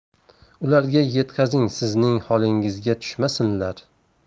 ularga yetkazing sizning holingizga tushmasinlar